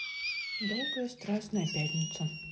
долгая страстная пятница